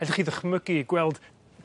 ellwch chi ddychmygu 'u gweld